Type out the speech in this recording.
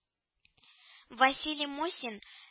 Василий Мосин